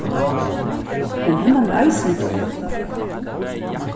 men hendan er eisini góð